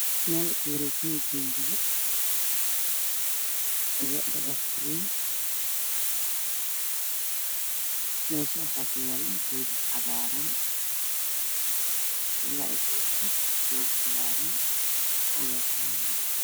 Meel ku wareegsan jiingado iyo dhagax weyn waxaa ku yaalo meesha geedo cagaaran